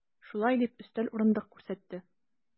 Шулай дип, өстәл, урындык күрсәтте.